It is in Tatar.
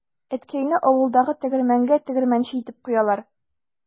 Әткәйне авылдагы тегермәнгә тегермәнче итеп куялар.